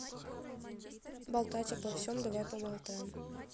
болтать обо всем давай поболтаем